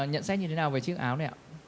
nhận xét như thế nào về chiếc áo này ạ